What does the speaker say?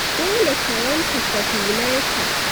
Dole ka rankwafa hular ka.